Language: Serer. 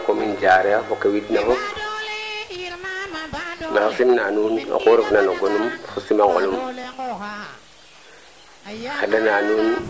calel ke i nduuf na fop to oxu refna jiriñu tigof fo ɓaslof rooga jegaan a waagaan yasama fi'in